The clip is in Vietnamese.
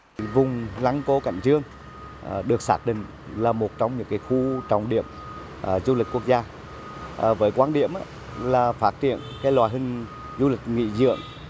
vùng lăng cô cảnh dương được xác định là một trong những cái khu trọng điểm du lịch quốc gia với quan điểm ấy là phát triển cái loại hình du lịch nghỉ dưỡng